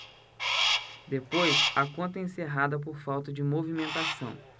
depois a conta é encerrada por falta de movimentação